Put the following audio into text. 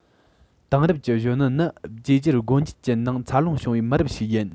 དེང རབས ཀྱི གཞོན ནུ ནི བསྒྱུར བཅོས སྒོ འབྱེད ཀྱི ནང འཚར ལོངས བྱུང བའི མི རབས ཤིག ཡིན